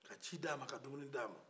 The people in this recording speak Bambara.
ka ji d'a ma ka dumuni d'ama